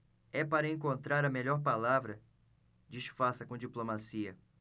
é para encontrar a melhor palavra disfarça com diplomacia